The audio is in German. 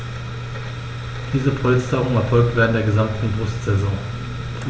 Diese Polsterung erfolgt während der gesamten Brutsaison.